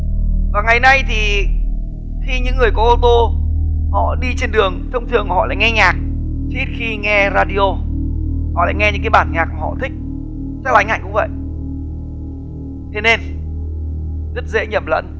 và ngày nay thì khi những người có ô tô họ đi trên đường thông thường họ lại nghe nhạc chứ ít khi nghe ra đi ô họ lại nghe những cái bản nhạc mà họ thích chắc là anh hạnh cũng vậy thế nên rất dễ nhầm lẫn